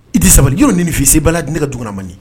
I di sabali' ni fɔ se b' la ne ka duguna man